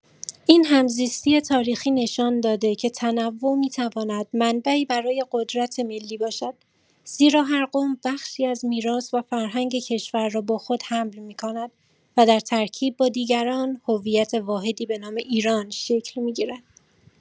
این همزیستی تاریخی نشان داده که تنوع می‌تواند منبعی برای قدرت ملی باشد، زیرا هر قوم بخشی از میراث و فرهنگ کشور را با خود حمل می‌کند و در ترکیب با دیگران، هویت واحدی به نام ایران شکل می‌گیرد.